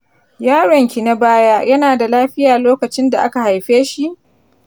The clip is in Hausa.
yaronki na baya yana da lafiya lokacin da aka haifeshi?